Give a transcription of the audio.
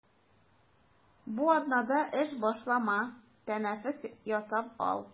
Бу атнада эш башлама, тәнәфес ясап ал.